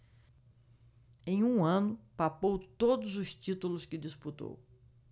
em um ano papou todos os títulos que disputou